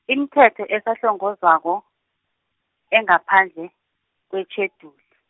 imithetho esahlongozwako, engaphandle, kwetjheduli.